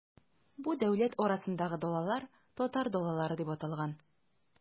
Бу дәүләт арасындагы далалар, татар далалары дип аталган.